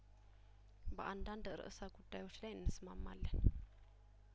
በአንዳንድ ርእሰ ጉዳዮች ላይ እንሰማማለን